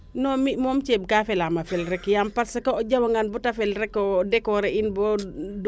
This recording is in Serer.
non mi moom ceeb ka felaama fel rek yaam parce que o jawa ngaan bata fel rek o decorer in bo